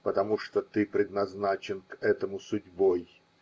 Потому что ты предназначен к этому судьбой.